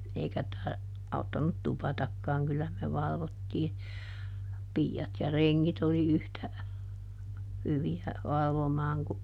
eikä - auttanut tupatakaan kyllä me valvottiin piiat ja rengit oli yhtä hyviä valvomaan kuin